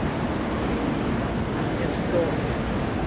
мне сдохнуть